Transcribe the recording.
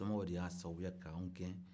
somɔgɔ de y'an sababuya k'an gɛn